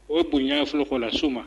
O ye pɲa fɔlɔ kɔla so ma